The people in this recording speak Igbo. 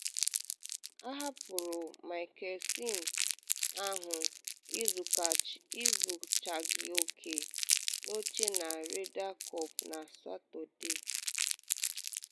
Ahapụrụ Mickelson ahụ ezuchaghị oke n’oche na Ryder Cup na Satọde